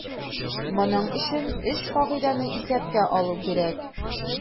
Моның өчен өч кагыйдәне исәпкә алу кирәк.